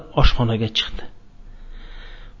oshxonaga chiqdi